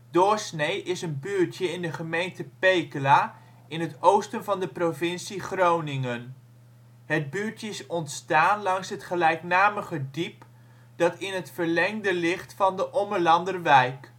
Doorsnee is een buurtje in de gemeente Pekela in het oosten van de provincie Groningen. Het buurtje is ontstaan langs het gelijknamige diep, dat in het verlengde ligt van de Ommelanderwijk